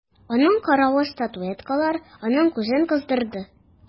Аның каравы статуэткалар аның күзен кыздырды.